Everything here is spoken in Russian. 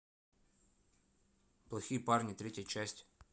плохие парни третья часть